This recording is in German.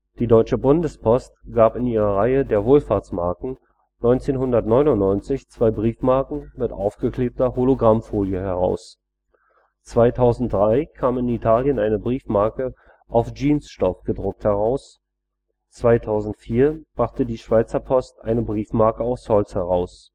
Die deutsche Bundespost gab in ihrer Reihe der Wohlfahrtsmarken, 1999 zwei Briefmarken mit aufgeklebter Hologrammfolie heraus. 2003 kam in Italien eine Briefmarke auf Jeansstoff gedruckt heraus, 2004 brachte die Schweizer Post eine Briefmarke auf Holz heraus